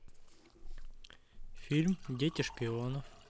фильм дети шпионов